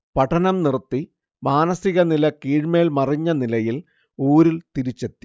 പഠനം നിർത്തി, മാനസികനില കീഴ്മേൽ മറിഞ്ഞനിലയിൽ ഊരിൽ തിരിച്ചെത്തി